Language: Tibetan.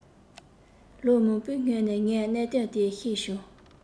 ལོ མང པོའི སྔོན ནས ངས གནད དོན དེ ཤེས བྱུང